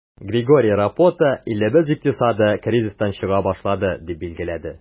Григорий Рапота, илебез икътисады кризистан чыга башлады, дип билгеләде.